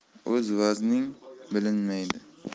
o'z vazning bilinmaydi